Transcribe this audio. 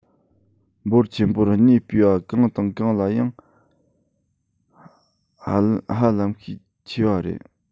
འབོར ཆེན པོར གནས སྤོས པ གང དང གང ལ ཡང ཧ ལམ ཤས ཆེ བ རེད